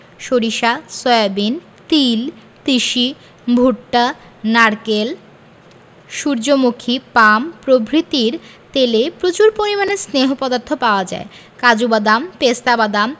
সরিষা সয়াবিন তিল তিসি ভুট্টা নারকেল সুর্যমুখী পাম প্রভৃতির তেলে প্রচুর পরিমাণে স্নেহ পদার্থ পাওয়া যায় কাজু বাদাম পেস্তা বাদাম